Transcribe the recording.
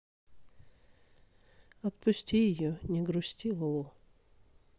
отпусти ее не грусти лоло